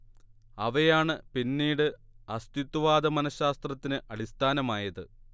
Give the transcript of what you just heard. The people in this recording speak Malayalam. അവയാണ് പിന്നീട് അസ്തിത്വവാദ മനശാസ്ത്രത്തിന് അടിസ്ഥാനമായത്